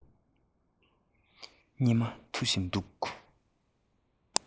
སྙེ མ འཐུ བཞིན འདུག